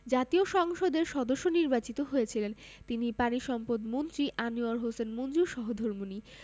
জাতীয় সংসদের সদস্য নির্বাচিত হয়েছিলেন তিনি পানিসম্পদমন্ত্রী আনোয়ার হোসেন মঞ্জুর সহধর্মিণী